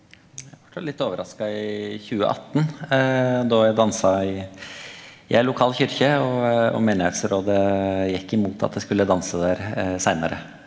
eg vart jo litt overraska i 2018 då eg dansa i i ei lokal kyrkje og og soknerådet gjekk imot at eg skulle danse der seinare.